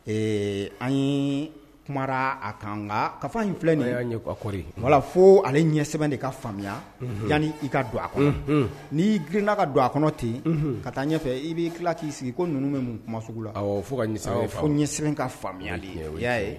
Ee an ye kumara a kan ka in filɛ in' ɲɛɔri wala fo ale ɲɛ sɛbɛn de ka faamuya yanani i ka don a kɔnɔ n'i gna ka don a kɔnɔ ten yen ka taa ɲɛfɛ i b'i tila k'i sigi ko ninnu min mun kuma sugu la fo ka fo ɲɛ sɛbɛn ka faamuyaya ye o y'a ye